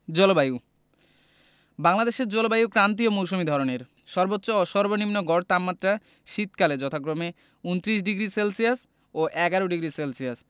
জলবায়ুঃ বাংলাদেশের জলবায়ু ক্রান্তীয় মৌসুমি ধরনের সর্বোচ্চ ও সর্বনিম্ন গড় তাপমাত্রা শীতকালে যথাক্রমে ২৯ ডিগ্রি সেলসিয়াস ও ১১ডিগ্রি সেলসিয়াস